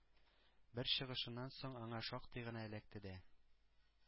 Бер чыгышыннан соң аңа шактый гына эләкте дә.